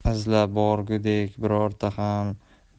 izlab borgudek bironta